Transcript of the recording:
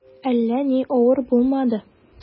Әллә ни авыр булмады.